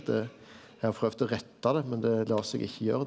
det eg har prøvd å retta det, men det lar seg ikkje gjere.